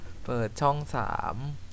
เปิดช่องสาม